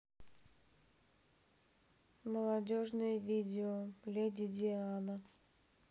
молодежное видео леди диана